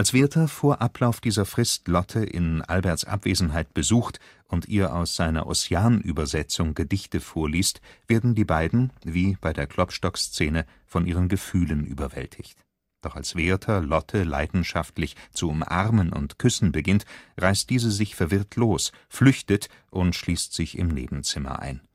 Werther vor Ablauf dieser Frist Lotte in Alberts Abwesenheit besucht und ihr aus seiner Ossian-Übersetzung Gedichte vorliest, werden die beiden, wie bei der Klopstock-Szene, von ihren Gefühlen überwältigt. Doch als Werther Lotte leidenschaftlich zu umarmen und küssen beginnt, reißt diese sich verwirrt los, flüchtet und schließt sich im Nebenzimmer ein